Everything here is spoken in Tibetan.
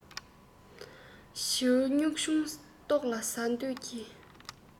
བྱི བ སྨྱུག ཆུང ལྟོགས ལ ཟ འདོད ཀྱིས